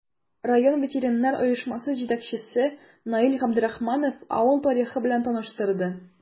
Район ветераннар оешмасы җитәкчесе Наил Габдрахманов авыл тарихы белән таныштырды.